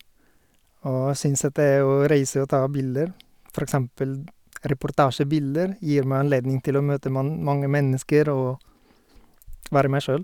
Og syns at det å reise og ta bilder, for eksempel d reportasjebilder, gir meg anledning til å møte man mange mennesker og være meg sjøl.